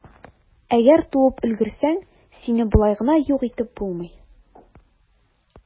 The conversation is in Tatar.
Әгәр туып өлгерсәң, сине болай гына юк итеп булмый.